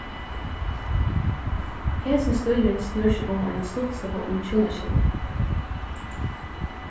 hesin stílurin snýr seg um eina stuttsøgu um hjúnaskilnað